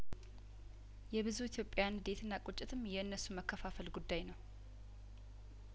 የብዙ ኢትዮጵያን ንዴትና ቁጭትም የእነሱ መከፋፈል ጉዳይነው